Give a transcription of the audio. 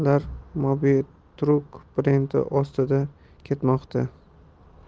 mobi truck brendi ostida ketmoqda